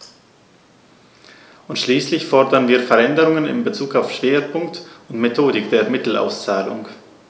Und schließlich fordern wir Veränderungen in bezug auf Schwerpunkt und Methodik der Mittelauszahlung.